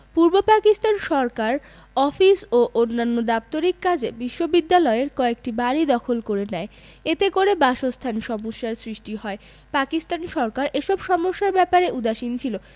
পূর্ব পাকিস্তান সরকার অফিস ও অন্যান্য দাপ্তরিক কাজে বিশ্ববিদ্যালয়ের কয়েকটি বাড়ি দখল করে নেয় এতে করে বাসস্থান সমস্যার সৃষ্টি হয় পাকিস্তান সরকার এসব সমস্যার ব্যাপারে উদাসীন ছিল